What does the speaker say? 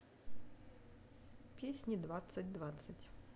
песни двадцать двадцать